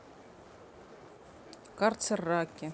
карцер раки